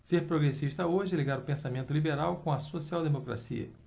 ser progressista hoje é ligar o pensamento liberal com a social democracia